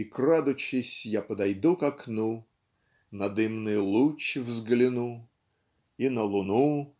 И крадучись я подойду к окну, На дымный луг взгляну и на луну.